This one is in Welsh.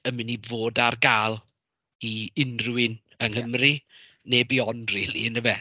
yn mynd i fod ar gael i unrhywun yng Nghymru, neu beyond rili, yn dyfe?